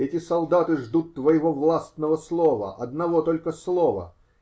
Эти солдаты ждут твоего властного слова -- одного только слова!